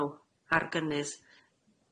n'w ar gynnydd.